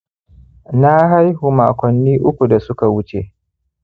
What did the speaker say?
na haihu makonni uku da suka wuce